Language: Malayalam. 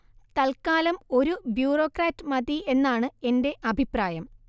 തല്‍ക്കാലം ഒരു ബ്യൂറോക്രാറ്റ് മതി എന്നാണ് എന്റെ അഭിപ്രായം